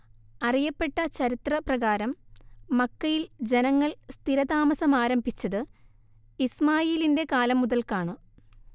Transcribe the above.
അറിയപ്പെട്ട ചരിത്രപ്രകാരം മക്കയിൽ ജനങ്ങൾ സ്ഥിരതാമസമാരംഭിച്ചത് ഇസ്മാഈലിന്റെ കാലം മുതൽക്കാണ്